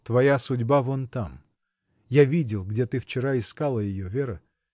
— Твоя судьба — вон там: я видел, где ты вчера искала ее, Вера.